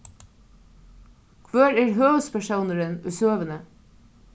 hvør er høvuðspersónurin í søguni